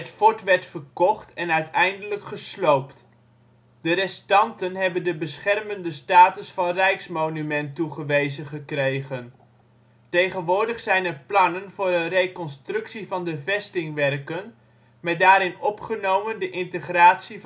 fort werd verkocht en uiteindelijk gesloopt. De restanten hebben de beschermende status van rijksmonument toegewezen gekregen. Tegenwoordig zijn er plannen voor een reconstructie van de vestingwerken met daarin opgenomen de integratie